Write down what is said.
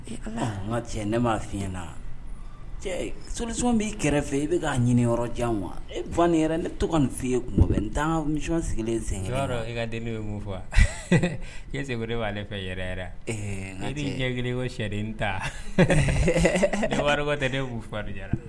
Ala cɛ ne m ma fi na so b'i kɛrɛfɛ fɛ i bɛka'a ɲinin yɔrɔ jan wa yɛrɛ ne tɔgɔ nin fɔ yen kun bɛ n tan sigilen sen i ka den bɛ mun fɔse de b'aale fɛ yɛrɛ n'jɛ sɛden ta tɛden b'u farin